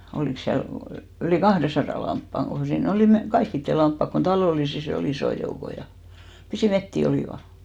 olikos siellä yli kahdensadan lampaan kun siinä oli - kaikkien lampaat kun talollisissa oli isoin joukoin ja pisin metsiä olivat